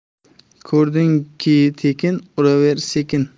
ko'rdingki tekin uraver sekin